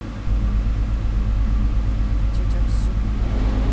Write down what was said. тетя в зубы